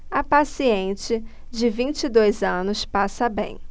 a paciente de vinte e dois anos passa bem